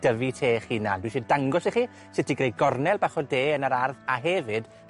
dyfu te 'ych hunan. Dwi osoe dangos i chi sut i greu gornel bach o de yn yr ardd, a hefyd